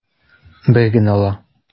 Бер генә ала.